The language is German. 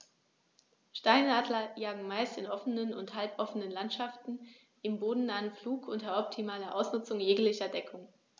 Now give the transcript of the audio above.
Steinadler jagen meist in offenen oder halboffenen Landschaften im bodennahen Flug unter optimaler Ausnutzung jeglicher Deckung.